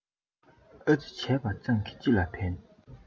ཨ ཙི བྱས པ ཙམ གྱིས ཅི ལ ཕན